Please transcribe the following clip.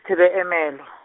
Ermelo.